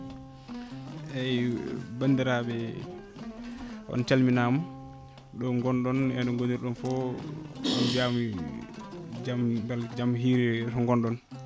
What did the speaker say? eyyi bandiraɓe on calminama ɗo gonɗon e no gonirɗon fo on mbiyama jaam hiiri to gonɗon